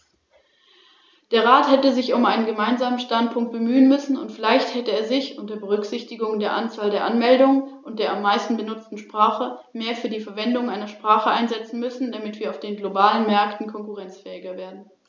Der Bericht befasst sich mit der Harmonisierung von Prüfungsanforderungen für Sicherheitsberater, die im Bereich der Beförderung gefährlicher Güter auf Straße, Schiene oder Binnenwasserstraße tätig sind.